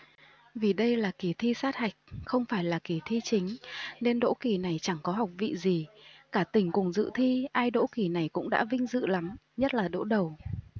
vì đây là kỳ thi sát hạch không phải là kỳ thi chính nên đỗ kỳ này chẳng có học vị gì cả tỉnh cùng dự thi ai đỗ kỳ này cũng đã vinh dự lắm nhất là đỗ đầu